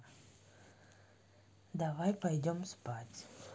давай пойдем спать